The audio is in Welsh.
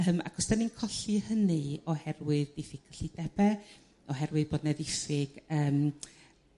yrm ac os 'dan ni'n colli hynny oherwydd ddiffyg cyllidebe oherwydd bod 'ne diffyg yrm